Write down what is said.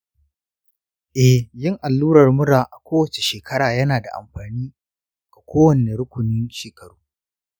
eh, yin allurar mura a kowace shekara yana da amfani ga kowane rukunin shekaru.